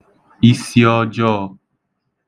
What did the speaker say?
isiọjọọ̄